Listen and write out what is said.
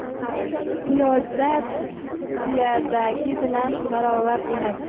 piyoda tuyadagi bilan barobar emas